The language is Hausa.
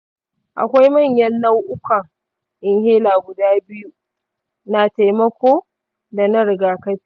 akwai manyan nau’ukan inhaler guda biyu, na taimako da na rigakafi.